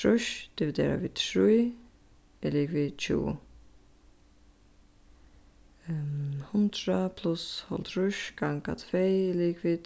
trýss dividerað við trý er ligvið tjúgu hundrað pluss hálvtrýss ganga tvey er ligvið